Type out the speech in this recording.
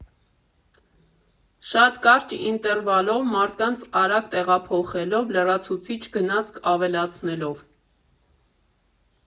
Շատ կարճ ինտերվալով, մարդկանց արագ տեղափոխելով, լրացուցիչ գնացք ավելացնելով…